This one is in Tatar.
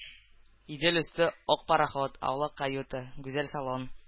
Идел өсте, ак пароход, аулак каюта, гүзәл салон